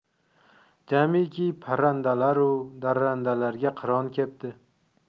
jamiki parrandalaru darrandalarga qiron kepti